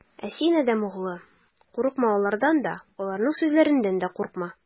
Ә син, адәм углы, курыкма алардан да, аларның сүзләреннән дә курыкма.